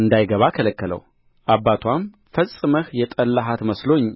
እንዳይገባ ከለከለው አባትዋም ፈጽመህ የጠላሃት መስሎኝ